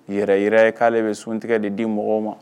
Yɛrɛy ye k'ale bɛ sun tigɛ de di mɔgɔw ma